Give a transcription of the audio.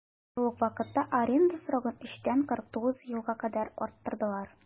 Шул ук вакытта аренда срогын 3 тән 49 елга арттырдылар.